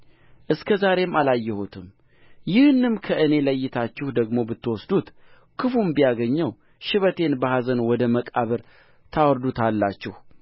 እስከ ዛሬም አላየሁትም ይህንም ከእኔ ለይታችሁ ደግሞ ብትወስዱት ክፋም ቢያገኘው ሽበቴን በኅዘን ወደ መቃብር ታወርዱታላችሁ